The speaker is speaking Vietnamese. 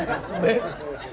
trong bếp